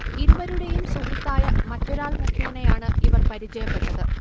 ഇരുവരുടെയും സുഹൃത്തായ മറ്റൊരാൾ മുഖേനയാണ് ഇവർ പരിചയപ്പെട്ടത്